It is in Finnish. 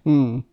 mm